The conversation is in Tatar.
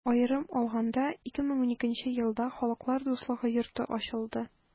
Аерым алаганда, 2012 нче елда Халыклар дуслыгы йорты ачылды.